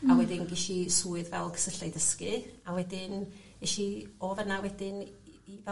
Hmm. A wedyn gesh i swydd fel cysylltai dysgu a wedyn esh i o fynna wedyn i i fel...